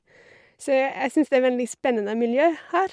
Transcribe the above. Så jeg syns det er en veldig spennende miljø her.